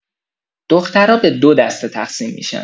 دخترا به دو دسته تقسیم می‌شن